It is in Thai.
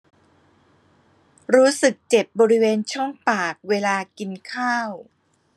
รู้สึกเจ็บบริเวณช่องปากเวลากินข้าว